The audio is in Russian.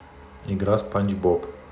игра спанч боб